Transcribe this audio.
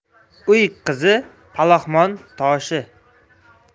uy qizi palaxmon toshi